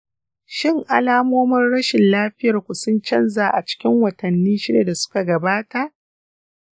shin alamomin rashin lafiyarku sun canza a cikin watanni shida da suka gabata?